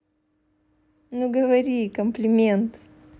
ну говори комплимент